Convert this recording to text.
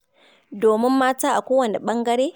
Domin mata da yawa a kowane ɓangare.